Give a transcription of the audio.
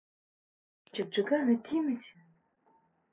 хавчик джиган и тимати